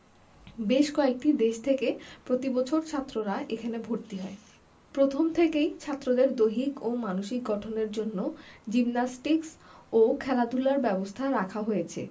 বেশ কয়েকটি দেশ থেকে প্রতি বছর ছাত্ররা এখানে ভর্তি হয় প্রথম থেকেই ছাত্রদের দৈহিক ও মানসিক গঠনের লক্ষ্যে জিমনাস্টিকস ও খেলাধুলার ব্যবস্থা রাখা হয়েছে